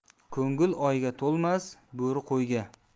ko'ngil o'yga to'lmas bo'ri qo'yga